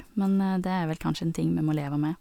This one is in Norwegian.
Men det er vel kanskje en ting vi må leve med.